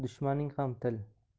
dushmaning ham til